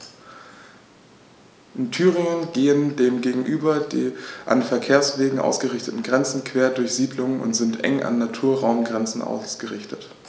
In Thüringen gehen dem gegenüber die an Verkehrswegen ausgerichteten Grenzen quer durch Siedlungen und sind eng an Naturraumgrenzen ausgerichtet.